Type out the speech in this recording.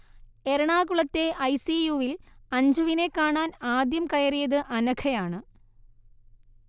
എറണാകുളത്തെ I C U വിൽ അഞ്ജുവിനെ കാണാൻ ആദ്യം കയറിയത് അനഘയാണ്